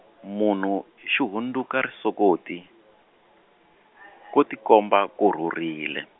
munhu xi hundzuka risokoti , ku tikomba ku rhurile.